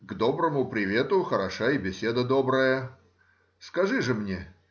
— к доброму привету хороша и беседа добрая. Скажи же мне